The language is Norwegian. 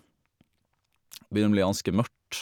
Begynner å bli ganske mørkt.